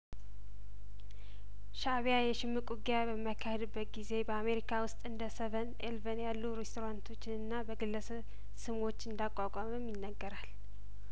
ሻእቢያ የሽምቅ ውጊያ በሚያካሂድ በት ጊዜ በአሜሪካ ውስጥ እንደሰቨንኤልቨን ያሉ ሬስቶራንቶችን በግለሰብ ስሞች እንዳ ቋቋመም ይነገራል